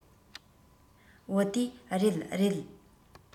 བུ དེས རེད རེད